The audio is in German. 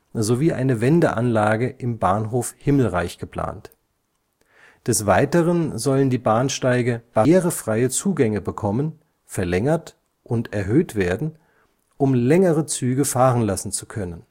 sowie eine Wendeanlage im Bahnhof Himmelreich geplant. Des Weiteren sollen die Bahnsteige barrierefreie Zugänge bekommen, verlängert und erhöht werden, um längere Züge fahren lassen zu können